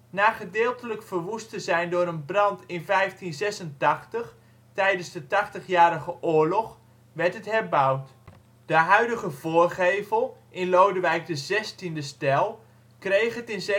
Na gedeeltelijk verwoest te zijn door een brand in 1586, tijdens de Tachtigjarige Oorlog, werd het herbouwd. De huidige voorgevel in Lodewijk XVI-stijl kreeg het in 1788